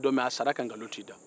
o tuma a sara ka nkalon to i da